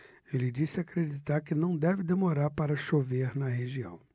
ele disse acreditar que não deve demorar para chover na região